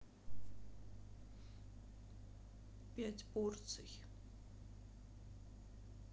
пять порций